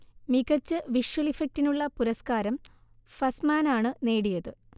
മികച്ച വിഷ്വൽ ഇഫക്ടിനുള്ള പുരസ്ക്കാരം ഫസ്റ്റ്മാനാണ് നേടിയത്